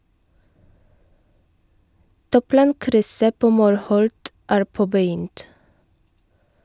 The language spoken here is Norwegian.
Toplankrysset på Morholt er påbegynt.